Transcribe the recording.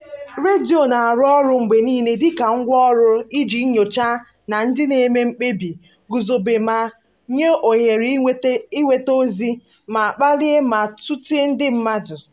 Redio na-arụ ọrụ mgbe niile dị ka ngwaọrụ iji nyochaa ndị na-eme mkpebi, gụzọbe ma nye ohere ịnweta ozi, ma kpalie ma tụtee ndị mmadụ.